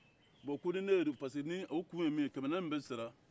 bɔn ko ni ne ye parce que nin kɛmɛ naani min bɛ sara